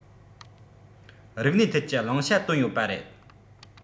རིག གནས ཐད ཀྱི བླང བྱ བཏོན ཡོད པ རེད